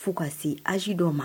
Fo ka se aji dɔ ma